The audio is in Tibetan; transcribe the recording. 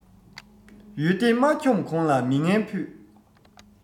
ཡུལ སྡེ མ འཁྱོམས གོང ལ མི ངན ཕུད